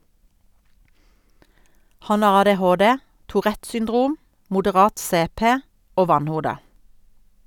Han har ADHD , tourette syndrom, moderat CP og vannhode.